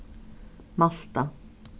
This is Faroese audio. malta